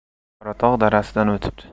qoratog' darasidan o'tibdi